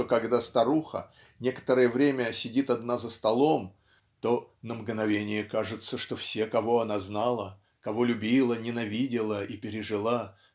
что когда старуха некоторое время сидит одна за столом то "на мгновение кажется что все кого она знала кого любила ненавидела и пережила